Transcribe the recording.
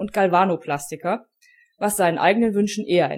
Galvanoplastiker, was seinen eigenen Wünschen eher entsprach